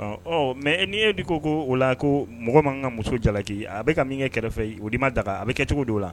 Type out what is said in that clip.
Ɔn, ɔɔ mais ni e dun ko ko o la ko mɔgɔ ma kan ka muso jalaki a bɛ ka min kɛ kɛrɛfɛ yen o de ma daga a bɛ kɛ cogo di o la?